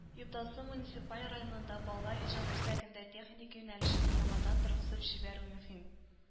Ютазы муниципаль районында балалар иҗат үзәгендә техник юнәлешне яңадан торгызып җибәрү мөһим.